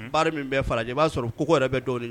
Baarari min bɛɛ ɲɛ i b'a sɔrɔ kogo yɛrɛ bɛ do